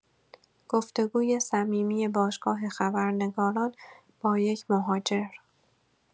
گفتگوی صمیمی باشگاه خبرنگاران با یک مهاجر